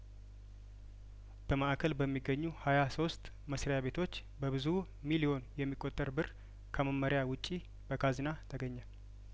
በማእከል በሚገኙ ሀያ ሶስት መስሪያ ቤቶች በብዙ ሚሊዮን የሚቆጠር ብር ከመመሪያ ውጪ በካዝና ተገኘ